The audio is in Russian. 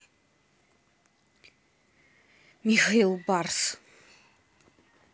михаил барс